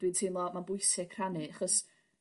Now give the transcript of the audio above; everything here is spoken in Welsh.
Dwi'n teimlo ma'n bwysig rhannu achos